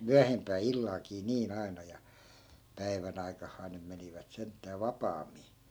- myöhempään illallakin niin aina ja päivän aikaan nyt menivät sentään vapaammin